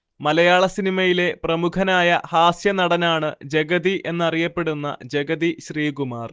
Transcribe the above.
മലയാള സിനിമയിലെ പ്രമുഖനായ ഹാസ്യനടനാണ് ജഗതി എന്നറിയപ്പെടുന്ന ജഗതി ശ്രീകുമാർ